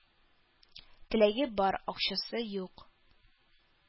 Теләге бар, акчасы юк.